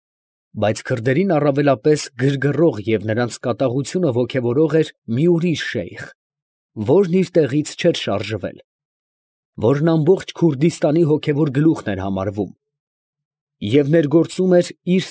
Բայց քրդերին առավելապես գրգռող և նրանց կատաղությունը ոգևորող էր մի ուրիշ շեյխ, որն իր տեղից չէր շարժվել, որն ամբողջ Քուրդիստանի հոգևոր գլուխն էր համարվում, և ներգործում էր իր։